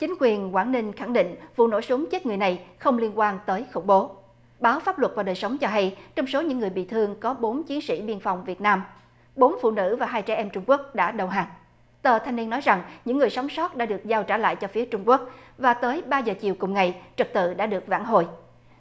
chính quyền quảng ninh khẳng định vụ nổ súng chết người này không liên quan tới khủng bố báo pháp luật và đời sống cho hay trong số những người bị thương có bốn chiến sĩ biên phòng việt nam bốn phụ nữ và hai trẻ em trung quốc đã đầu hàng tờ thanh niên nói rằng những người sống sót đã được giao trả lại cho phía trung quốc và tới ba giờ chiều cùng ngày trật tự đã được vãn hồi